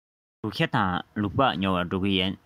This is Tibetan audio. ལུག ཤ དང ལུག ལྤགས ཉོ བར འགྲོ གི ཡིན